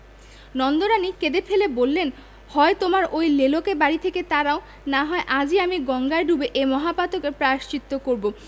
নন্দরানী কেঁদে ফেলে বললেন হয় তোমার ঐ লেলোকে বাড়ি থেকে তাড়াও না হয় আজই আমি গঙ্গায় ডুবে এ মহাপাতকের প্রায়শ্চিত্ত করব